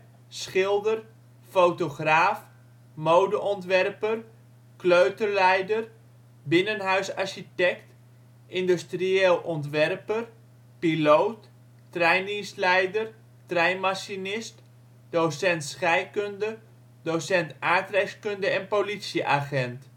schilder, fotograaf, modeontwerper, kleuterleider, binnenhuisarchitect, industrieel ontwerper, piloot, treindienstleider, treinmachinist, docent scheikunde (kleurreacties), docent aardrijkskunde (kaartgebruik) en politieagent